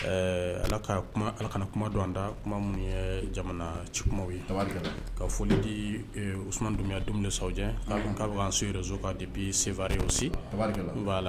Ɛɛ Ala ka kuma Ala kana kuma don an da kuma minnu ye jamanaa ci kumaw ye tabarikala ka foli dii e Ousmane Doumbia Doum le Saoudien k'a bɛ k'an suit réseau kan dépuis Sévaré aussi tabarikala voilà